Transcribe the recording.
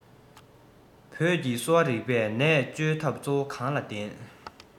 བོད ཀྱི གསོ བ རིགས པས ནད བཅོས ཐབས གཙོ བོ གང ལ བརྟེན